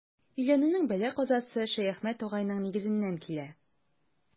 Өйләнүнең бәла-казасы Шәяхмәт агайның нигезеннән килә.